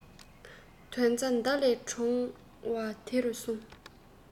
དོན རྩ མདའ ལས འདྲོང བ དེ རུ ཚང